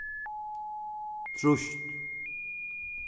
trýst